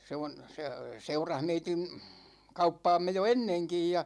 se on se seurasi meidän kauppaamme jo ennenkin ja